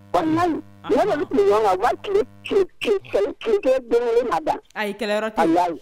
Yan waati kkɛ den da a kɛra